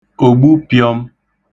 ògbupị̄ọ̄m̄